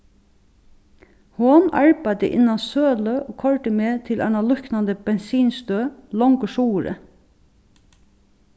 hon arbeiddi innan sølu og koyrdi meg til eina líknandi bensinstøð longur suðuri